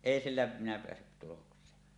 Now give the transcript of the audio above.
ei sillä minä päässyt tulokseen